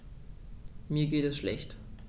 Mir geht es schlecht.